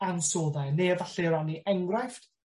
ansoddair ne' efalle rannu enghraifft?